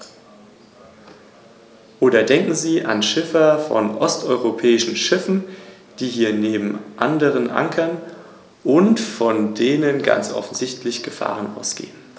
Dem kann ich zumindest persönlich uneingeschränkt zustimmen.